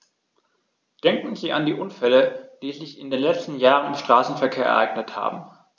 Denken Sie an die Unfälle, die sich in den letzten Jahren im Straßenverkehr ereignet haben.